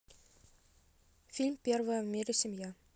фильм первая в мире семья